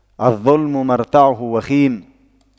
الظلم مرتعه وخيم